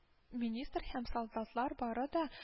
Министр һәм солдатлар бары да